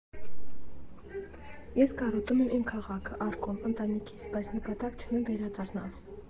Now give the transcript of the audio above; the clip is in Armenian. Ես կարոտում եմ իմ քաղաքը՝ Արկոն, ընտանիքիս, բայց նպատակ չունեմ վերադառնալու։